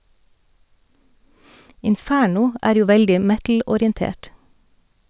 - Inferno er jo veldig metalorientert.